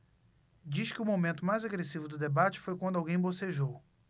diz que o momento mais agressivo do debate foi quando alguém bocejou